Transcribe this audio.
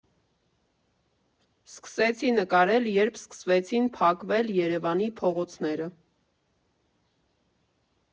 «Սկսեցի նկարել, երբ սկսվեցին փակվել Երևանի փողոցները։